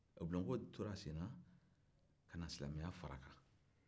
bulonko tora senna kana silamɛya fara a kan